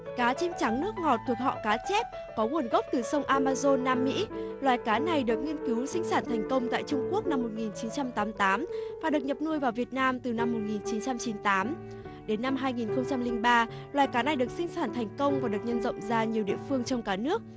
cá chim trắng nước ngọt thuộc họ cá chép có nguồn gốc từ sông a ma dôn nam mỹ loài cá này được nghiên cứu sinh sản thành công tại trung quốc năm một nghìn chín trăm tám tám và được nhập nuôi vào việt nam từ năm một nghìn chín trăm chín tám đến năm hai nghìn không trăm linh ba loài cá này được sinh sản thành công và được nhân rộng ra nhiều địa phương trong cả nước